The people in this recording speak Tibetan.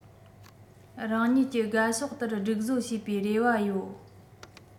རང ཉིད ཀྱི དགའ ཕྱོགས ལྟར སྒྲིག བཟོ བྱས པའི རེ བ ཡོད